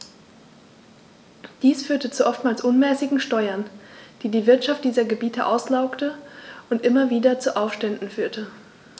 Dies führte zu oftmals unmäßigen Steuern, die die Wirtschaft dieser Gebiete auslaugte und immer wieder zu Aufständen führte.